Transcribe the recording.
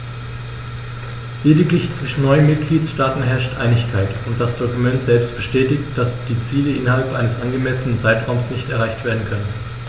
Lediglich zwischen neun Mitgliedsstaaten herrscht Einigkeit, und das Dokument selbst bestätigt, dass die Ziele innerhalb eines angemessenen Zeitraums nicht erreicht werden können.